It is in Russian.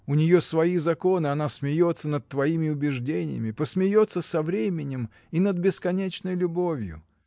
У нее свои законы: она смеется над твоими убеждениями, — посмеется со временем и над бесконечной любовью.